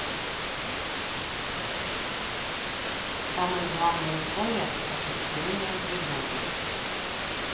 самые главные условия от исцеления прижоги